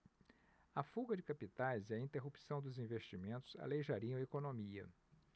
a fuga de capitais e a interrupção dos investimentos aleijariam a economia